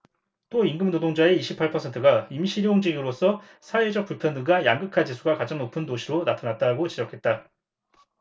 또 임금노동자의 이십 팔 퍼센트가 임시 일용직으로서 사회적 불평등과 양극화 지수가 가장 높은 도시로 나타났다 고 지적했다